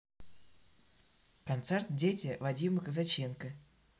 концерт дети вадима казаченко